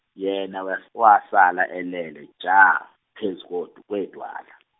yena we- wasala elele ja phezu kodu- kwedwala.